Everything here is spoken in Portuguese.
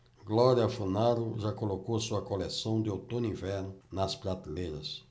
glória funaro já colocou sua coleção de outono-inverno nas prateleiras